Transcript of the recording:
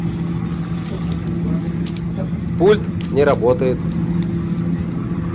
пульт не работает